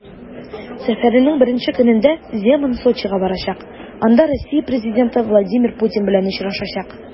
Сәфәренең беренче көнендә Земан Сочига барачак, анда Россия президенты Владимир Путин белән очрашачак.